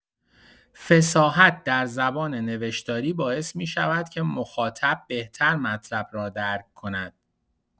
فصاحت در زبان نوشتاری باعث می‌شود که مخاطب بهتر مطلب را درک کند.